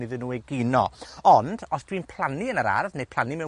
iddyn nw egino. Ond, os dwi'n plannu yn yr ardd ne' plannu mewn